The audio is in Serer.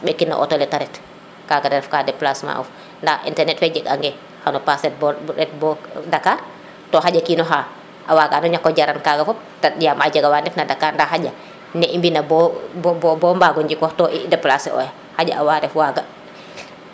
mbekit no auto le te ret kaga na ref ka déplacement of nda internet fe jeg ange xano pas ret bo Dackar to xaƴa kino xa a wagano ñako jaran kaga fop ten yaam a jega wa ndef na Dackar nde xaƴa ne i mbina bo bo mbago njikox to i déplacer oxe xaƴa awa ref waga